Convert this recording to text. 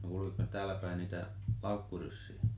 no kulkiko täälläpäin niitä laukkuryssiä